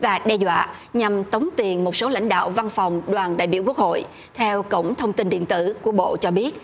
và đe dọa nhằm tống tiền một số lãnh đạo văn phòng đoàn đại biểu quốc hội theo cổng thông tin điện tử của bộ cho biết